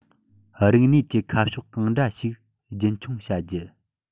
རིག གནས ཀྱི ཁ ཕྱོགས གང འདྲ ཞིག རྒྱུན འཁྱོངས བྱ རྒྱུ